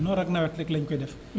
noor ak nawet rek la ñu koy def